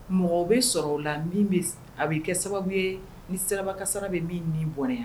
Mɔgɔw bɛ sɔrɔ o la min bɛ a bɛ kɛ sababu ye ni sirabakasara bɛ min ni bɔnɛ